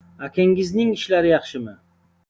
akangizning ishlari yaxshimi